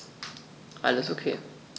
Alles OK.